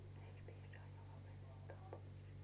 eikös piisaa jo lopetetaan pois